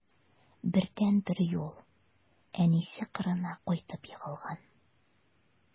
Бердәнбер юл: әнисе кырына кайтып егылган.